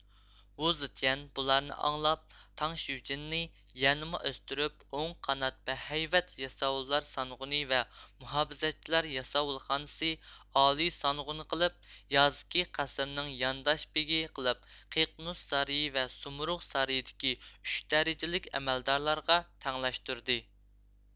ۋۇزېتيەن بۇلارنى ئاڭلاپ تاڭشيۇجىننى يەنىمۇ ئۆستۈرۈپ ئوڭ قانات بەھەيۋەت ياساۋۇللار سانغۇنى ۋە مۇھاپىزەتچىلەر ياساۋۇلخانىسى ئالىي سانغۇنى قىلىپ يازكى قەسىرنىڭ يانداش بېگى قىلىپ قىقىنوس سارىيى ۋە سۇمرۇغ سارىيىدىكى ئۈچ دەرىجىلىك ئەمەلدارلارغا تەڭلەشتۈردى